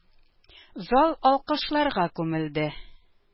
Зал алкышларга күмелде.